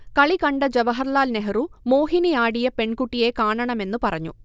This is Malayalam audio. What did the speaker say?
കളികണ്ട ജവഹർലാൽ നെഹ്രു, മോഹിനി ആടിയ പെൺകുട്ടിയെ കാണണമെന്ന് പറഞ്ഞു